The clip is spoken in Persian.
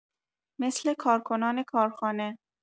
مثل کارکنان کارخانه